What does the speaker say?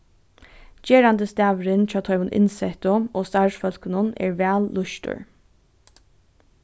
gerandisdagurin hjá teimum innsettu og starvsfólkunum er væl lýstur